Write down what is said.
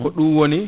ko ɗum woni